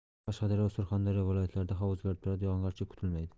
qashqadaryo va surxondaryo viloyatlarida havo o'zgarib turadi yog'ingarchilik kutilmaydi